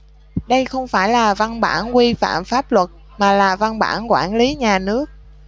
đây không phải là văn bản quy phạm pháp luật mà là văn bản quản lý nhà nước